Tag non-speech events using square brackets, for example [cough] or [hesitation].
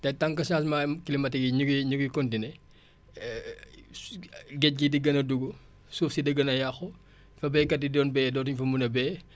te tant que changement climatique yi ñu ngi ñu ngi continuer [hesitation] géej gi di gën a dugg suuf si di gën a yàqu fa béykat yi doon béyee dootuñ fa mun a béyee